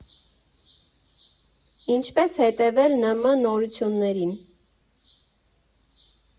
Ինչպե՞ս հետևել ՆՄ նորություններին։